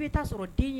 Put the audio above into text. I bɛ sɔrɔ